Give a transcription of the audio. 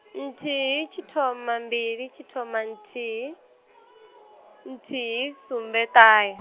nthihi tshithoma mbili tshithoma nthihi, nthihi sumbe ṱahe.